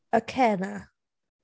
Ekenna.